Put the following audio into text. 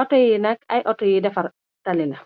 auto yi nak ay auto yi defar tali la.